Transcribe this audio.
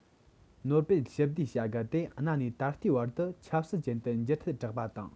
ནོ པེལ ཞི བདེའི བྱ དགའ དེ གནའ ནས ད ལྟའི བར དུ ཆབ སྲིད ཅན དུ འགྱུར ཐལ དྲགས པ དང